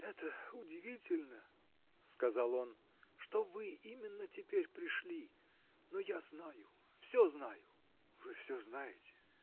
-- Это удивительно, -- сказал он, -- что вы именно теперь пришли но я знаю, все знаю. -- Вы все знаете?